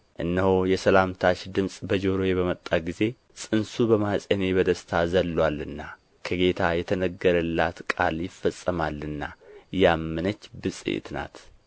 እነሆ የሰላምታሽ ድምጽ በጆሮዬ በመጣ ጊዜ ፅንሱ በማኅፀኔ በደስታ ዘሎአልና ከጌታ የተነገረላት ቃል ይፈጸማልና ያመነች ብፅዕት ናት